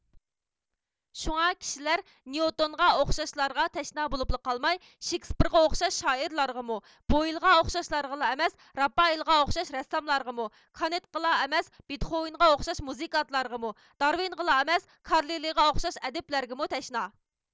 شۇڭا كىشىلەر نيۇتونغا ئوخشاشلارغا تەشنا بولۇپلا قالماي شېكىسپېرغا ئوخشاش شائىرلارغىمۇ بويىلغا ئوخشاشلارغىلا ئەمەس راپائېلغا ئوخشاش رەسساملارغىمۇ كانتقىلا ئەمەس بېتخوۋېنغا ئوخشاش مۇزىكانتلارغىمۇ دارۋېنغىلا ئەمەس كارلىلىغا ئوخشاش ئەدىبلەرگىمۇ تەشنا